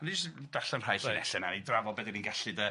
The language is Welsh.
Nawn ni jyst darllen rhai llinellau, 'nawn ni drafod be 'dan ni'n gallu de.